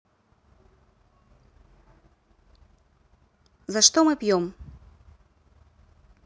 за что мы пьем